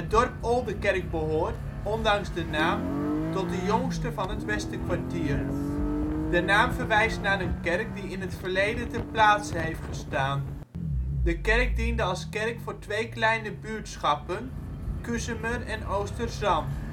dorp Oldekerk behoort, ondanks de naam, tot de jongste van het Westerkwartier. De naam verwijst naar een kerk die in het verleden ter plaatse heeft gestaan. Die kerk diende als kerk voor twee kleine buurtschappen: Kuzemer en Oosterzand